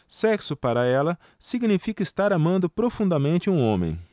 sexo para ela significa estar amando profundamente um homem